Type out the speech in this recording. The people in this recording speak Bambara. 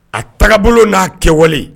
A taga bolo n'a kɛwale